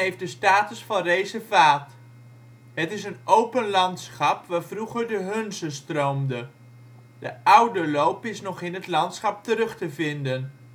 de status van reservaat. Het is een open landschap, waar vroeger de Hunze stroomde. De oude loop is nog in het landschap terug te vinden